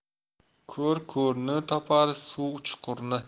ko'r ko'rni topar suv chuqurni